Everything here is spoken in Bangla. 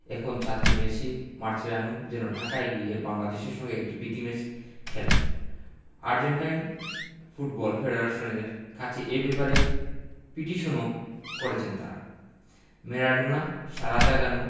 এখন চাচ্ছেন মেসি মাচেরানোরা যেন ঢাকায় গিয়ে বাংলাদেশের সঙ্গে একটি প্রীতি ম্যাচ খেলেন আর্জেন্টাইন ফুটবল ফেডারেশনের কাছে এ ব্যাপারে পিটিশনও করেছেন তাঁরা ম্যারাডোনার সাড়া জাগানো